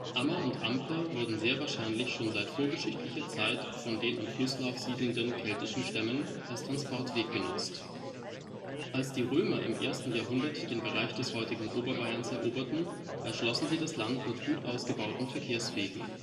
Ammer und Amper wurden sehr wahrscheinlich schon seit vorgeschichtlicher Zeit von den am Flusslauf siedelnden keltischen Stämmen als Transportweg genutzt. Als die Römer im ersten Jahrhundert den Bereich des heutigen Oberbayerns eroberten, erschlossen sie das Land mit gut ausgebauten Verkehrswegen